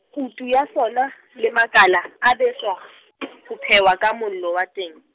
kutu ya sona, le makala, a a beswa, ho phehwa ka mollo wa teng.